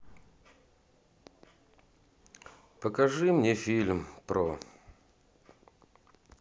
покажи мне фильм про